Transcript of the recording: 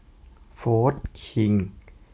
โฟธคิง